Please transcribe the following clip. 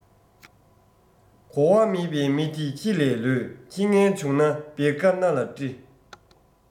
གོ བ མེད པའི མི དེ ཁྱི ལས ལོད ཁྱི ངན བྱུང ན བེར ཀ སྣ ལ བཀྲི